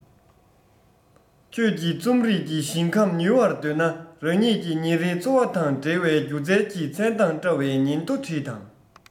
ཁྱོད ཀྱིས རྩོམ རིག གི ཞིང ཁམས ཉུལ བར འདོད ན རང ཉིད ཀྱི ཉིན རེའི འཚོ བ དང འབྲེལ བའི སྒྱུ རྩལ གྱི མཚན མདངས བཀྲ བའི ཉིན ཐོ བྲིས དང